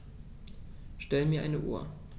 Stell mir eine Uhr.